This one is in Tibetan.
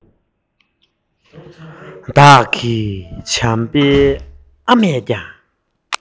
བདག གི བྱམས པའི ཨ མས ཀྱང